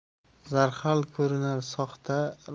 zarhal ko'rinar soxta